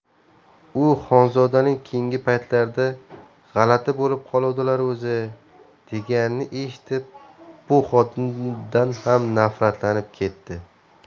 u xonzodaning keyingi paytlarda g'alati bo'lib qoluvdilar o'zi deganini eshitib bu xotindan ham nafratlanib ketdi